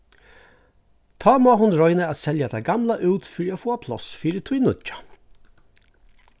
tá má hon royna at selja tað gamla út fyri at fáa pláss fyri tí nýggja